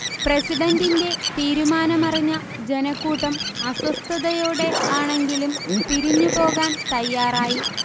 പ്രസിഡന്റിന്റെ തീരുമാനമറിഞ്ഞ ജനക്കൂട്ടം അസ്വസ്ഥതയോടെ ആണെങ്കിലും പിരിഞ്ഞു പോകാൻ തയ്യാറായി